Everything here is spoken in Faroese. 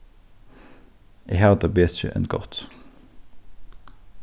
eg havi tað betri enn gott